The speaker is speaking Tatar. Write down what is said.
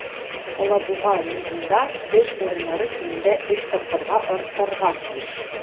"алабуга" мизында эш урыннары кимендә өч тапкырга артарга тиеш.